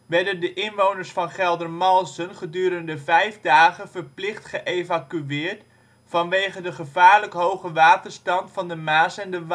werden de inwoners van Geldermalsen gedurende 5 dagen verplicht geëvacueerd vanwege de gevaarlijk hoge waterstand van de Maas en de Waal